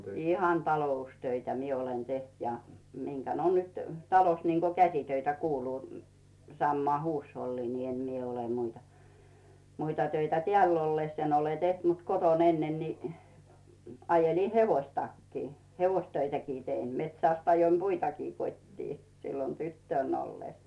ihan taloustöitä minä olen tehnyt ja minkä olen nyt talossa niin kuin käsitöitä kuuluu samaan huusholliin niin en minä ole muita muita töitä täällä ollessa en ole tehnyt mutta kotona ennen niin ajelin hevostakin hevostöitäkin tein metsästä ajoin puitakin kotiin silloin tyttönä ollessa